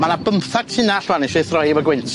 Ma' 'na bymthag tunall rŵan isio ei throi efo gwynt.